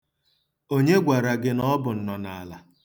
Onye gwara gị na ọ bụ nnọnaala?